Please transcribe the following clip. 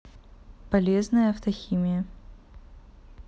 полезная автохимия